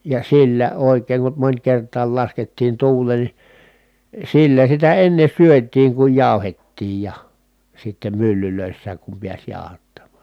ja sillä oikein kun monikertaan laskettiin tuuleen niin sillä sitä ennen syötiin kun jauhettiin ja sitten myllyissä kun pääsi jauhattamaan